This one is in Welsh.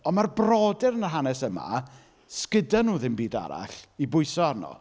Ond mae'r brodyr yn y hanes yma, 's gyda nhw ddim byd arall i bwyso arno.